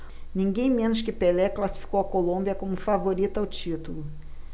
ninguém menos que pelé classificou a colômbia como favorita ao título